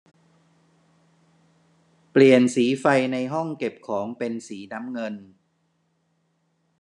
เปลี่ยนสีไฟในห้องเก็บของเป็นสีน้ำเงิน